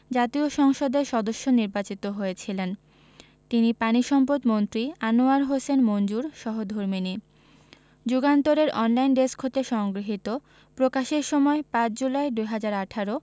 জাতীয় সংসদের সদস্য নির্বাচিত হয়েছিলেন তিনি পানিসম্পদমন্ত্রী আনোয়ার হোসেন মঞ্জুর সহধর্মিণী যুগান্তর এর অনলাইন ডেস্ক হতে সংগৃহীত প্রকাশের সময় ৫ জুলাই ২০১৮